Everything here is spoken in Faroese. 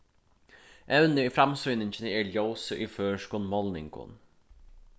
evnið í framsýningini er ljósið í føroyskum málningum